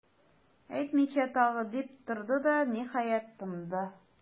Әйтмичә тагы,- дип торды да, ниһаять, тынды.